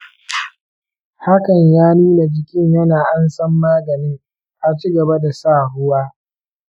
hakan ya nuna jikin yana ansan maganin; a cigaba da sa ruwa.